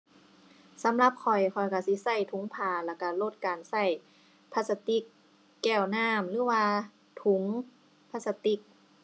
สำหรับข้อย ข้อยก็สิก็ถุงผ้าแล้วก็ลดการก็พลาสติก แก้วน้ำ หรือว่า ถุงพลาสติก